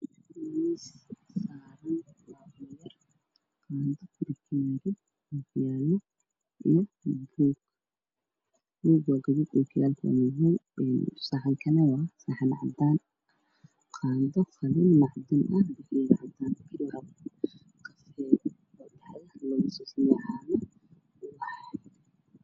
Waa miis saaran saxan, qaado, fargeento, ookiyaalo iyo buug. Buugu waa gaduud, ookiyaalo madow ah, saxanka waa cadaan. Iyo kafay laga sameeyey caano iyo ubax.